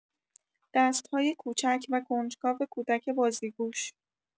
دست‌های کوچک و کنجکاو کودک بازیگوش